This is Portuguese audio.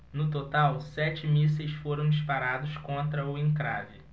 no total sete mísseis foram disparados contra o encrave